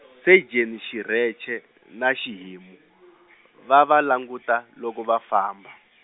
Sejeni Xirheche na Xihimu , va va languta, loko va famba.